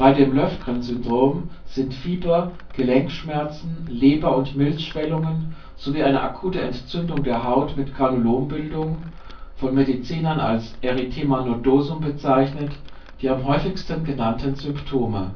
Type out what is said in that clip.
dem Löfgren-Syndrom sind Fieber, Gelenkschmerzen, Leber - und Milzschwellungen, sowie eine akute Entzündung der Haut mit Granulombildung (von Medizinern als Erythema nodosum bezeichnet; Bild) die am häufigsten genannten Symptome